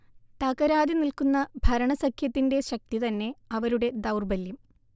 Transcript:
തകരാതെ നിൽക്കുന്ന ഭരണസഖ്യത്തിന്റെ ശക്തി തന്നെ അവരുടെ ദൗർബല്യം